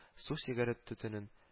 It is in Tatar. Су сигарет төтенен